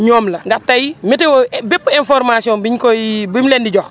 ñoom la ndax tey météo bépp information biñ koy bi mu leen di jox